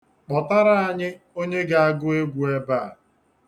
Kpọtara anyị onye ga-agụ egwu ebe a.